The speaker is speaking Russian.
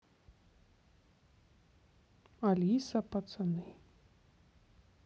алиса пацаны